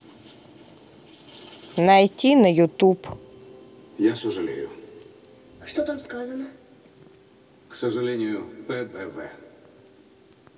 найти на ютуб